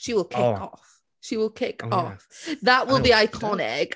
She will kick off.... O. ...She will kick off.... O yes. ... That will be iconic.